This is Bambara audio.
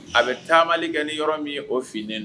A bɛ taama kɛ ni yɔrɔ min ye o finɛ